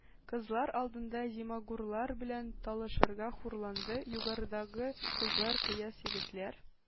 Кызлар алдында зимагурлар белән талашырга хурланды. югарыдагы кызлар, көяз егетләр,